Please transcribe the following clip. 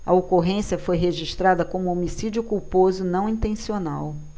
a ocorrência foi registrada como homicídio culposo não intencional